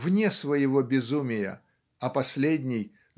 вне своего безумия, а последний